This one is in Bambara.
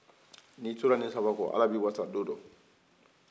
ni tora ni saba kɔ ala bi wasa don dɔ